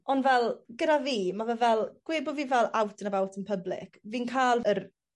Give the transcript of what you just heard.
ond fel gyda fi ma' fe fel gwed bo' fi fel out an' about in public fi'n ca'l yr